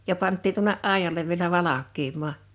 ja pantiin tuonne aidalle vielä valkenemaan